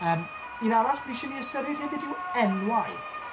Yym, un arall fi isie ni ystyried hefyd yw enwau.